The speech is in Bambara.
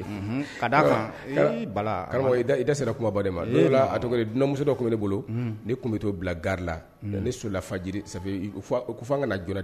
Sera kuma mamuso dɔ tun ne bolo tun bɛ to bila gala ni solaji ka jɔ